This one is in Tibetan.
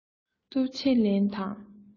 ཏུའུ ཆིང ལིན དང